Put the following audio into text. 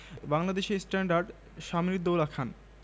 Bangladeshi standard Samir ud Daula Khan